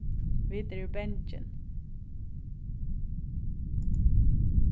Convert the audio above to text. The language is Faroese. vit eru bangin